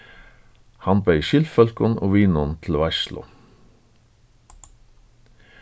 hann beyð skyldfólkum og vinum til veitslu